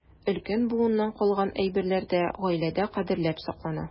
Өлкән буыннан калган әйберләр дә гаиләдә кадерләп саклана.